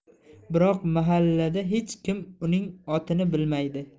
biroq mahallada hech kim uning otini bilmaydi